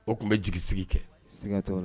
O tun bɛ jigi sigi kɛ, siga t'o la.